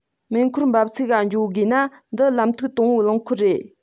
མེ འཁོར འབབ ཚིགས ག འགྱོ དགོ ནོ འདི ལམ ཐིག དང བོའི རླངས འཁོར རེད